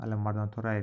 alimardon to'rayev